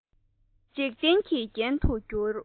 འཇིག རྟེན གྱི རྒྱན དུ གྱུར